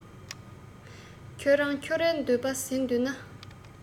ཁྱོད རང ཁྱོད རའི འདོད པ ཟིན འདོད ན